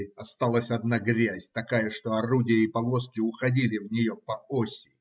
осталась одна грязь, такая, что орудия и повозки уходили в нее по оси.